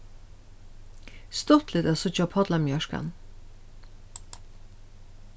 stuttligt at síggja pollamjørkan